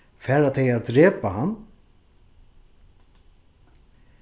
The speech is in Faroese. fara tey at drepa hann